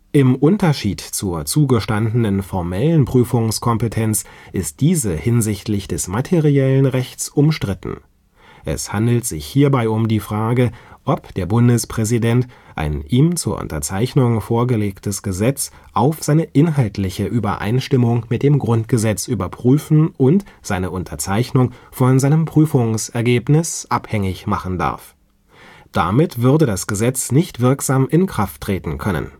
Im Unterschied zur zugestandenen formellen Prüfungskompetenz ist diese hinsichtlich des materiellen Rechts umstritten. Es handelt sich hierbei um die Frage, ob der Bundespräsident ein ihm zur Unterzeichnung vorgelegtes Gesetz auf seine inhaltliche Übereinstimmung mit dem Grundgesetz überprüfen und seine Unterzeichnung von seinem Prüfungsergebnis abhängig machen darf. Damit würde das Gesetz nicht wirksam in Kraft treten können